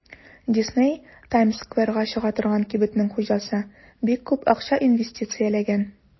Дисней (Таймс-скверга чыга торган кибетнең хуҗасы) бик күп акча инвестицияләгән.